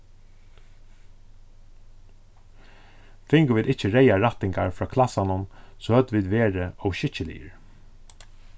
fingu vit ikki reyðar rættingar frá klassanum so høvdu vit verið ov skikkiligir